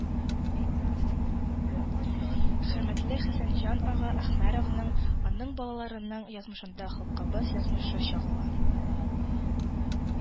Хөрмәтле Хәсәнҗан ага Әхмәровның, аның балаларының язмышында халкыбыз язмышы чагыла